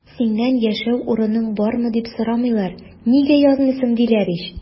Синнән яшәр урының бармы, дип сорамыйлар, нигә язмыйсың, диләр ич!